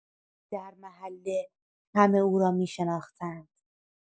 در محله همه او را می‌شناختند.